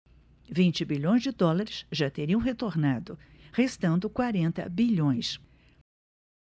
vinte bilhões de dólares já teriam retornado restando quarenta bilhões